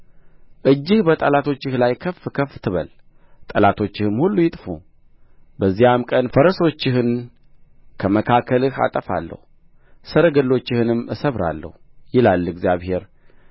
እጅህ በጠላቶችህ ላይ ከፍ ከፍ ትበል ጠላቶችህም ሁሉ ይጥፉ በዚያም ቀን ፈረሶችህን ከመካከልህ አጠፋለሁ ሰረገሎችህንም እሰብራለሁ ይላል እግዚአብሔር